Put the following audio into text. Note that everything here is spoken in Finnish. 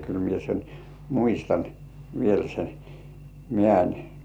kyllä minä sen muistan vielä sen metsän